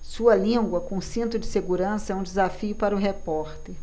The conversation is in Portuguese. sua língua com cinto de segurança é um desafio para o repórter